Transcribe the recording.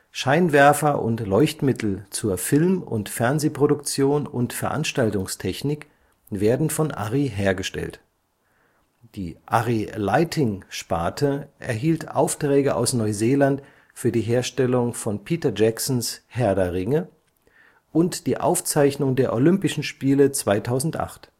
Scheinwerfer und Leuchtmittel zur Film -, Fernsehproduktion und Veranstaltungstechnik werden von Arri hergestellt. Die Arri-Lighting-Sparte erhielt Aufträge aus Neuseeland für die Herstellung von Peter Jacksons Herr der Ringe, und die Aufzeichnung der Olympischen Spiele 2008